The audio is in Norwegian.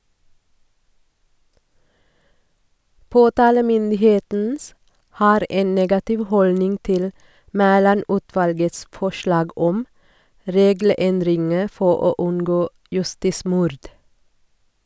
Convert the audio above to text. Påtalemyndigheten har en negativ holdning til Mæland-utvalgets forslag om regelendringer for å unngå justismord.